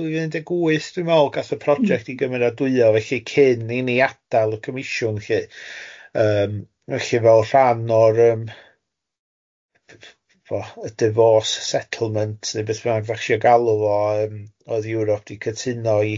Dwy fil un deg wyth dwi'n meddwl gath y project i... M-hm. ...gymeradwyo felly cyn i ni adael y comisiwn lly yym felly fel rhan o'r yym p- p- p- yy divorce settlement neu beth bynnag da chisio galw o yym oedd Ewrop wedi cytuno i